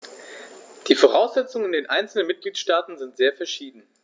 Die Voraussetzungen in den einzelnen Mitgliedstaaten sind sehr verschieden.